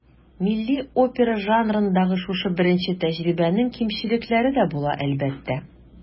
Милли опера жанрындагы шушы беренче тәҗрибәнең кимчелекләре дә була, әлбәттә.